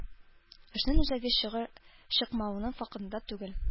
Эшнең үзәге чыгу-чыкмауның фактында түгел.